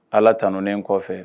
Ala tanunen kɔfɛ